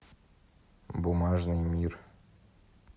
бумажный мир